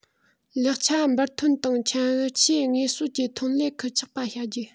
ལེགས ཆ འབུར ཐོན དང ཁྱད ཆོས ངེས གསལ གྱི ཐོན ལས ཁུལ ཆགས པ བྱ རྒྱུ